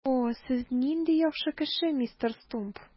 О, сез нинди яхшы кеше, мистер Стумп!